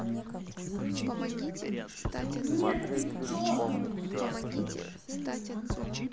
нет ты че